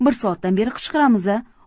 bir soatdan beri qichqiramiz a